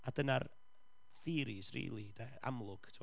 A dyna'r theories, rili de, amlwg, tibod.